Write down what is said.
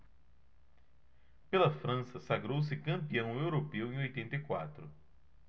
pela frança sagrou-se campeão europeu em oitenta e quatro